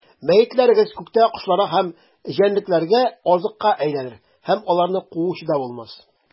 Мәетләрегез күктәге кошларга һәм җәнлекләргә азыкка әйләнер, һәм аларны куучы да булмас.